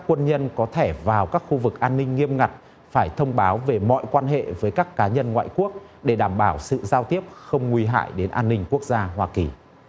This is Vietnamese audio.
quân nhân có thể vào các khu vực an ninh nghiêm ngặt phải thông báo về mọi quan hệ với các cá nhân ngoại quốc để đảm bảo sự giao tiếp không nguy hại đến an ninh quốc gia hoa kỳ